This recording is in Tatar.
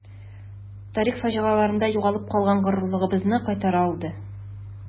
Тарих фаҗигаларында югалып калган горурлыгыбызны кайтара алды.